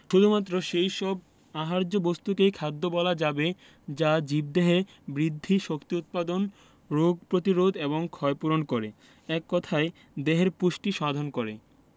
শুধুমাত্র সেই সব আহার্য বস্তুকেই খাদ্য বলা যাবে যা জীবদেহে বৃদ্ধি শক্তি উৎপাদন রোগ প্রতিরোধ এবং ক্ষয়পূরণ করে এক কথায় দেহের পুষ্টি সাধন করে